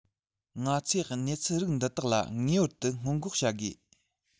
ང ཚོས གནས ཚུལ འདི རིགས ལ ངེས པར དུ སྔོན འགོག བྱ དགོས